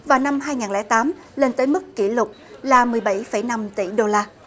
và năm hai ngàn lẻ tám lên tới mức kỷ lục là mười bảy phẩy năm tỷ đô la